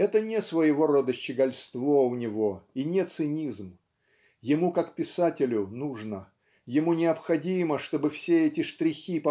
Это не своего рода щегольство у него и не цинизм ему как писателю нужно ему необходимо чтобы все эти штрихи